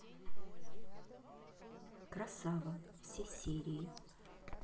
красава все серии